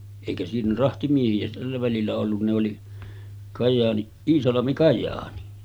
eikä siinä rahtimiehiä tällä välillä ollut ne oli Kajaani Iisalmi Kajaani